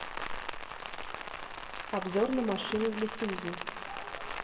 обзор на машины для семьи